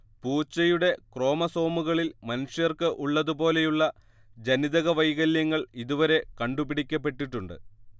പൂച്ചയുടെ ക്രോമസോമുകളിൽ മനുഷ്യർക്ക് ഉള്ളതുപോലെയുള്ള ജനിതകവൈകല്യങ്ങൾ ഇതുവരെ കണ്ടുപിടിക്കപ്പെട്ടിട്ടുണ്ട്